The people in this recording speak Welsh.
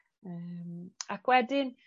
Yym ac wedyn